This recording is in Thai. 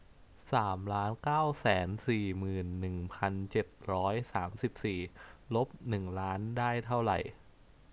สามล้านเก้าแสนสี่หมื่นหนึ่งพันเจ็ดร้อยสามสิบสี่ลบหนึ่งล้านได้เท่าไหร่